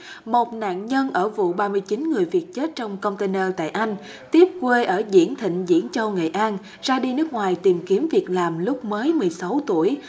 một nạn nhân ở vụ ba mươi chín người việt chết trong công ten nơ tại anh tiếp quê ở diễn thịnh diễn châu nghệ an ra đi nước ngoài tìm kiếm việc làm lúc mới mười sáu tuổi